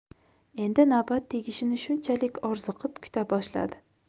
endi navbat tegishini shunchalik orziqib kuta boshladi